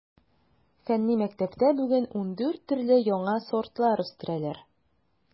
Фәнни мәктәптә бүген ундүрт төрле яңа сортлар үстерәләр.